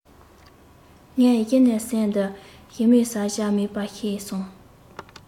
ངས གཞི ནས ཟས འདི ཞི མིའི བཟའ བྱ མིན པ ཤེས སོང